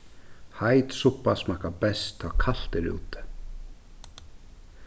heit suppa smakkar best tá kalt er úti